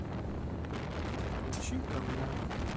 включи камням